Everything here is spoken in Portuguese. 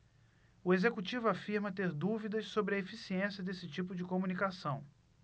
o executivo afirma ter dúvidas sobre a eficiência desse tipo de comunicação